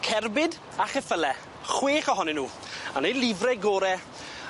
Cerbyd a cheffyle, chwech ohonyn nw yn eu lifre gore'